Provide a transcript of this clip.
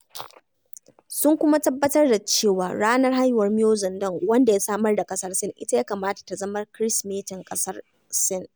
Sun kuma tabbatar da cewa ranar haihuwar Mao Zedong, wanda ya samar da ƙasar Sin, ita ya kamata ta zama Kirsimetin ƙasar Sin.